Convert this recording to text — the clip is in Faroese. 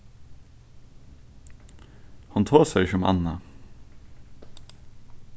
hon tosar ikki um annað